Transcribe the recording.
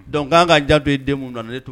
Donc n ka kan k'an jan to i den minnu na